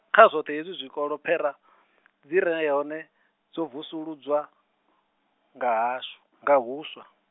kha zwoṱhe hezwi zwikolo phera, dzire hone, dzo vusuludzwa, nga hasw-, nga husaw.